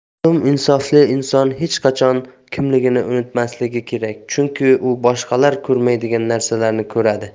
noma'lum insofli inson hech qachon kimligini unutmasligi kerak chunki u boshqalar ko'rmaydigan narsalarni ko'radi